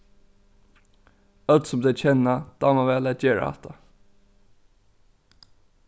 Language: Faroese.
øll sum tey kenna dáma væl at gera hatta